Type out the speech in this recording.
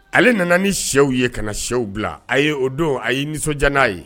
Ale nana ni shɛw ye ka na sew bila a' ye o don a ye nisɔndiya n'a ye